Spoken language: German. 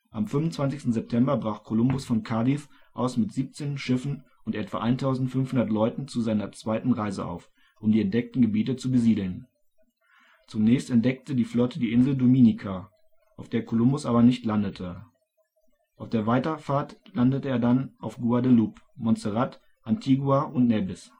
Am 25. September brach Kolumbus von Cádiz aus mit 17 Schiffen und etwa 1.500 Leuten zu seiner zweiten Reise auf, um die entdeckten Gebiete zu besiedeln. Zunächst entdeckte die Flotte die Insel Dominica, auf der Kolumbus aber nicht landete. Auf der Weiterfahrt landete er dann auf Guadeloupe, Montserrat, Antigua und Nevis